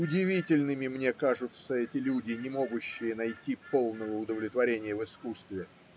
Удивительными мне кажутся эти люди, не могущие найти полного удовлетворения в искусстве.